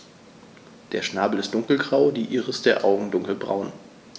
Der Schnabel ist dunkelgrau, die Iris der Augen dunkelbraun.